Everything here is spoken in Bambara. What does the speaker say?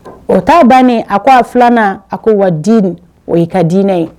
O t'a bannen a ko a filanan a ko wa di o ye ka diinɛ ye